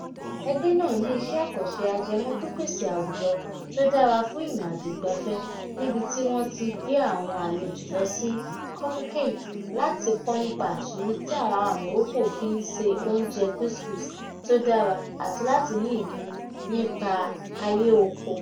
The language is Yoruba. Nísìnyìí, ẹgbẹ́ náà ní iṣẹ́ àkànṣe ajẹmọ́ pípèsè àwùjọ́ tó dárá fún ìrìnàjò ìgbáfẹ́ níbí tí wọ́n tí ń gba àwọn àlejò sí Khoukhate láti kọ́ nípa àṣírí tí àwọn ará Morocco fí n se oúnjẹ Couscous tó dára àti láti ní ìrírí nípa áyé oko.